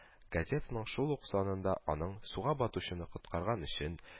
Газетаның шул ук санында аның Суга батучыны коткарган өчен